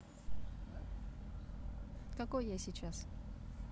какой я сейчас